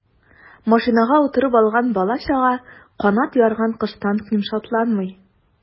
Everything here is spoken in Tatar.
Машинага утырып алган бала-чага канат ярган коштан ким шатланмый.